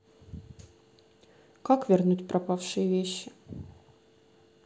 как вернуть пропавшие вещи